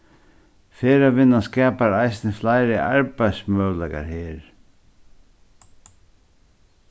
ferðavinnan skapar eisini fleiri arbeiðsmøguleikar her